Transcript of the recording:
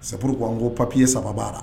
C'est pour quoi n ko papier 3 b'a la.